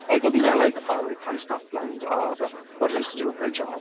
Like oedd hi fel like "oh where you from? Scotland, what did you used to do as a job"?